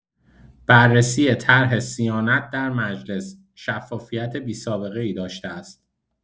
بررسی طرح صیانت در مجلس، شفافیت بی‌سابقه‌ای داشته است.